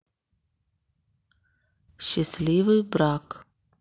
счастливый брак